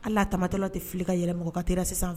Ala tamamatɔ tɛ fili ka yɛlɛmamɔgɔ ka taara sisan